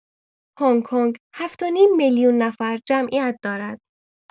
هنگ‌کنگ هفت و نیم میلیون نفر جمعیت دارد.